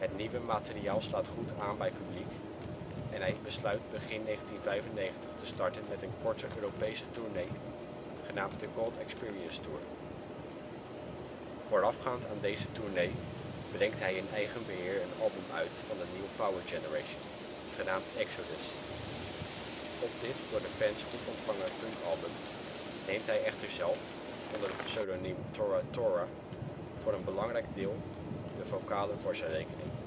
nieuwe materiaal slaat goed aan bij het publiek en hij besluit begin 1995 te starten met een korte Europese tournee, genaamd The Gold Experience Tour. Voorafgaand aan deze tournee brengt hij in eigen beheer een album uit van de New Power Generation, genaamd Exodus. Op dit door de fans goed ontvangen funkalbum neemt hij echter zelf, onder het pseudoniem " Tora Tora ", voor een belangrijk deel de vocalen voor zijn rekening